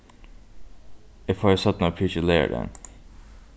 eg fái seinna prikið leygardagin